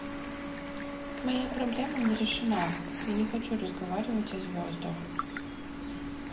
моя проблема не решена я не хочу разговаривать о звездах